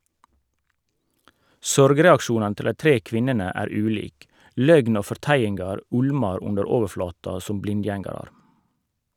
Sorgreaksjonane til dei tre kvinnene er ulik, løgn og forteiingar ulmar under overflata som blindgjengarar.